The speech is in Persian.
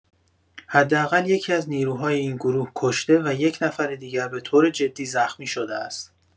حداقل یکی‌از نیروهای این گروه کشته و یک نفر دیگر به‌طور جدی زخمی شده است.